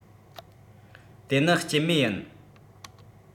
དེ ནི སྐྱེད མེད ཡིན